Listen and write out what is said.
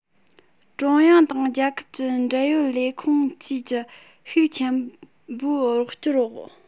ཀྲུང དབྱང དང རྒྱལ ཁབ ཀྱི འབྲེལ ཡོད ལས ཁུངས བཅས ཀྱི ཤུགས ཆེན པོའི རོགས སྐྱོར འོག